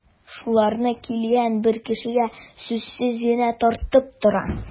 Шуларны килгән бер кешегә сүзсез генә таратып тора.